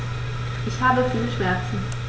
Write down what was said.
Ich habe viele Schmerzen.